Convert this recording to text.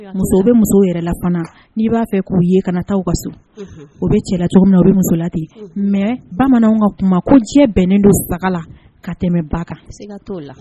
Musow bɛ muso yɛrɛ la fana n'i b'a fɛ k'u ye kana taa ka so o bɛ cɛ cogo min na u bɛ muso la ten mɛ bamananw ka kuma ko jɛ bɛnnen don baga la ka tɛmɛ ba